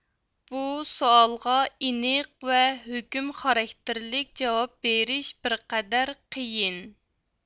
بۇ سوئالغا ئېنىق ۋە ھۆكۈم خاراكتېرلىك جاۋاب بېرىش بىرقەدەر قىيىن